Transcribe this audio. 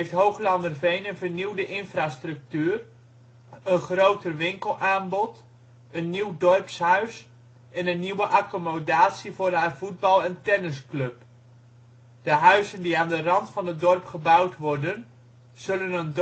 Hooglanderveen een vernieuwde infrastructuur, een groter winkelaanbod, een nieuw dorpshuis en een nieuwe accommodatie voor haar voetbal - en tennisclub. De huizen die aan de rand van het dorp gebouwd worden, zullen